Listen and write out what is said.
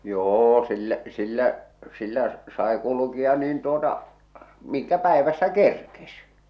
jo sillä sillä sillä sai kulkea niin tuota minkä päivässä kerkesi